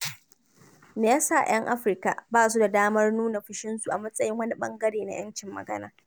Me ya sa 'yan Afirka ba su da damar nuna fushinsu a matsayin wani ɓangare na 'yancin magana?